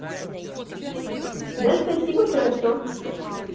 да спасибо хорошо